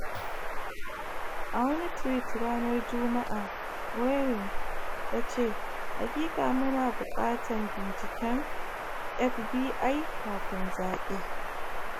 A wani tweet ranar Juma’a, Warren ta ce, “hakika mu na buƙatan bincinken FBI kafin zabe.”